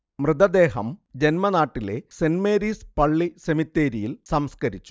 മൃതദേഹം ജന്മനാട്ടിലെ Saint Mary's പള്ളി സെമിത്തേരിയിൽ സംസ്കരിച്ചു